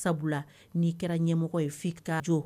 Sabula n'i kɛra ɲɛmɔgɔ ye fita jɔ